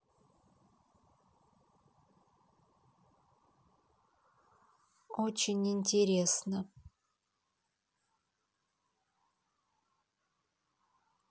очень интересно